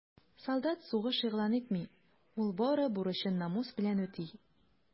Солдат сугыш игълан итми, ул бары бурычын намус белән үти.